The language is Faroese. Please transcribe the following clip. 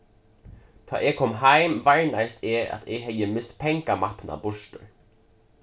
tá eg kom heim varnaðist eg at eg hevði mist pengamappuna burtur